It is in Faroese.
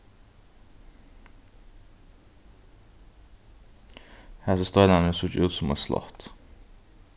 hasir steinarnir síggja út sum eitt slott